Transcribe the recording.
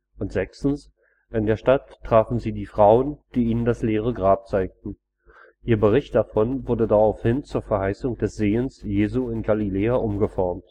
Weltende. In der Stadt trafen sie die Frauen, die ihnen das leere Grab zeigten. Ihr Bericht davon wurde daraufhin zur Verheißung des „ Sehens “Jesu in Galiläa umgeformt